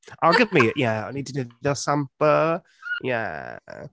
Oh, get me, ie, o'n i'n defnyddio sample, yeah...